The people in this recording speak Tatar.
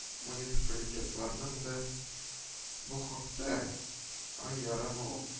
Муниципалитетларның да бу хакта ай ярым